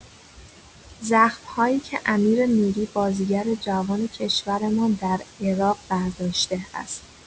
زخم‌هایی که امیر نوری بازیگر جوان کشورمان در عراق برداشته است!